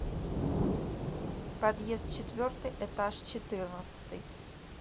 подъезд четвертый этаж четырнадцатый